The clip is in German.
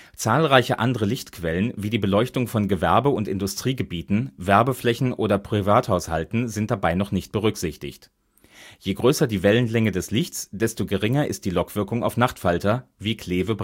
Zahlreiche andere Lichtquellen wie die Beleuchtung von Gewerbe - und Industriegebieten, Werbeflächen oder Privathaushalten sind dabei noch nicht berücksichtigt. Je größer die Wellenlänge des Lichts, desto geringer ist die Lockwirkung auf Nachtfalter (Cleve